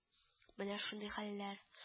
Менә шундый хәлләр